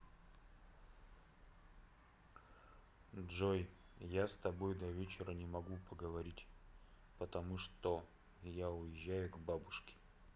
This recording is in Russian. джой я с тобой до вечера не могу поговорить потому что я уезжаю к бабушке